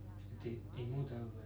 että ei ei muuta ollut ainakaan